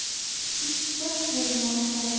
issiq bo'lmoqda